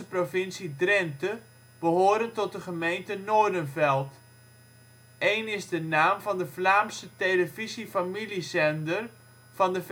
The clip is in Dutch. Drenthe, behorend tot de gemeente Noordenveld. Eén is de naam van de Vlaamse televisie-familiezender van de